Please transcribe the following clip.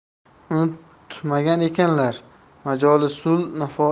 unutmagan ekanlar majolisun nafois nomli